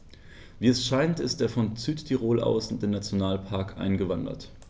Wie es scheint, ist er von Südtirol aus in den Nationalpark eingewandert.